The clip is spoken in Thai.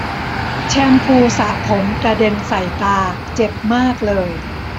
แชมพูสระผมกระเด็นใส่ตาเจ็บมากเลย